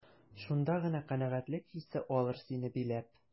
Шунда гына канәгатьлек хисе алыр сине биләп.